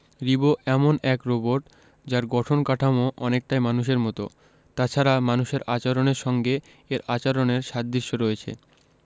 রিবো এমন এক রোবট যার গঠন কাঠামো অনেকটাই মানুষের মতো তাছাড়া মানুষের আচরণের সঙ্গে এর আচরণের সাদৃশ্য রয়েছে